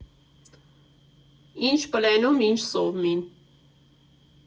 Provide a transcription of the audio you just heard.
«Ի՞նչ պլենում, ի՜նչ սովմին։